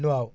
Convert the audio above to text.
waaw